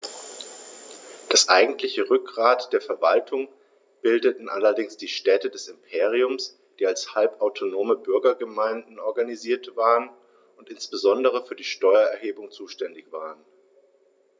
Das eigentliche Rückgrat der Verwaltung bildeten allerdings die Städte des Imperiums, die als halbautonome Bürgergemeinden organisiert waren und insbesondere für die Steuererhebung zuständig waren.